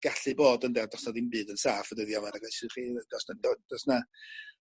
gallu bod ynde on' do's 'na ddim byd yn saff y dyddia' 'ma nag oes wch chi do's 'na do- do's 'na